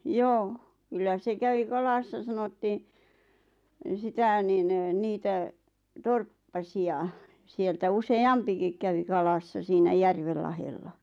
joo kyllä se kävi kalassa sanottiin sitä niin niitä torppasia sieltä useampikin kävi kalassa siinä järven lahdella